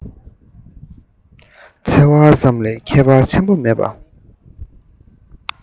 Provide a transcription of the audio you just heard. ཆེ བ ཙམ ལས ཁྱད པར ཆེན པོ མེད པ